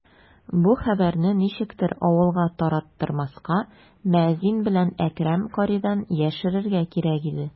Бу хәбәрне ничектер авылга тараттырмаска, мәзин белән Әкрәм каридан яшерергә кирәк иде.